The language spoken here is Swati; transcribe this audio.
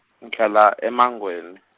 ngihlala eMangweni.